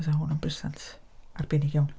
Bysa hwn yn bresant arbennig iawn.